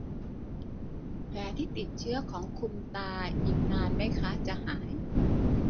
แผลที่ติดเชื้อของคุณตาอีกนานมั้ยคะจะหาย